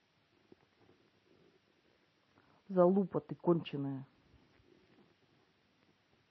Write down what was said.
залупа ты конченная